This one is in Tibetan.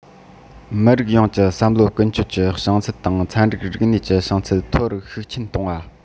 མི རིགས ཡོངས ཀྱི བསམ བློ ཀུན སྤྱོད ཀྱི བྱང ཚད དང ཚན རིག རིག གནས ཀྱི བྱང ཚད མཐོ རུ ཤུགས ཆེན གཏོང བ